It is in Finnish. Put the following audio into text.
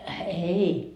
ei